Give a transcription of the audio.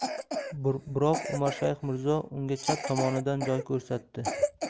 biroq umarshayx mirzo unga chap tomonidan joy ko'rsatdi